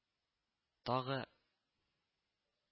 Тагы…